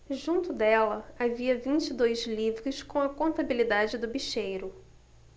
junto dela havia vinte e dois livros com a contabilidade do bicheiro